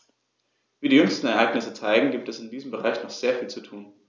Wie die jüngsten Ereignisse zeigen, gibt es in diesem Bereich noch sehr viel zu tun.